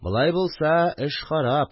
– болай булса эш харап